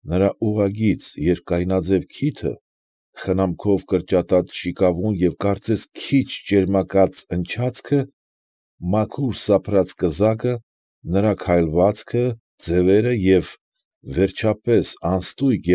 Նրա ուղղագիծ, երկայնաձև քիթը խնամքով կրճատած շիկավուն և կարծես քիչ ճերմակած ընչացքը, մաքուր սափրած կզակը, նրա քայլվածքը, ձևերը և, վերջապես, անըստգյուտ։